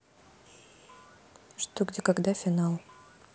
что где когда финал